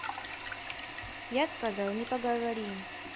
я сказал не поговорим